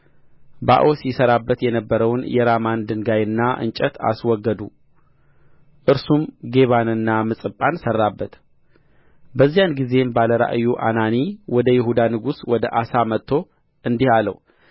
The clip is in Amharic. ባኦስ ይሠራበት የነበረውን የራማን ድንጋይና እንጨት አስወገዱ እርሱም ጌባንና ምጽጳን ሠራበት በዚያን ጊዜም ባለ ራእዩ አናኒ ወደ ይሁዳ ንጉሥ ወደ አሳ መጥቶ እንዲህ አለው